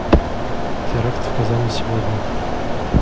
теракт в казани сегодня